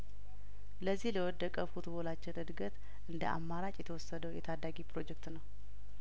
ለዚህ ለወደቀው ፉትቦላችን እድገት እንደአማራጭ የተወሰደው የታዳጊ ፕሮጀክት ነው